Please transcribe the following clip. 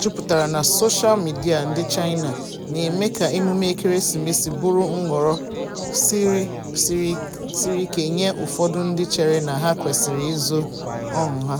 jupụtara na soshal midịa ndị China, na-eme ka emume ekeresimesi bụrụ nhọrọ siri ike nye ụfọdụ ndị chere na ha kwesịrị izo ọṅụ ha.